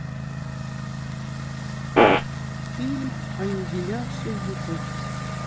фильм аннигиляция ютуб